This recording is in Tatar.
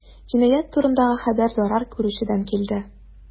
Җинаять турындагы хәбәр зарар күрүчедән килде.